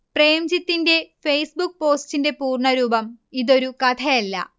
പ്രേംജിത്തിന്റെ Facebook പോസ്റ്റിന്റെ പൂർണ്ണരൂപം, ഇതൊരു കഥയല്ല